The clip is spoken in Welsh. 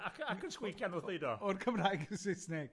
Ac y- ac yn sgwician wrth ddeud o. O'r Cymraeg i'r Saesneg.